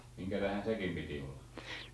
minkä tähden sekin piti olla